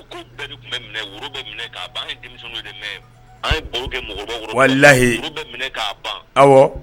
Layi